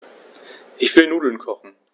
Ich will Nudeln kochen.